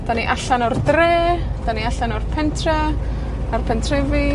'Dan ni allan o'r dre, 'dan ni allan o'r pentre, a'r pentrefi.